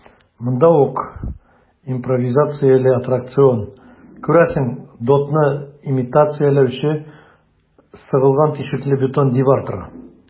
Монда ук импровизацияле аттракцион - күрәсең, дотны имитацияләүче сыгылган тишекле бетон дивар тора.